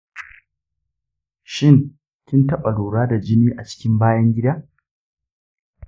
shin kin taɓa lura da jini a cikin bayan gida?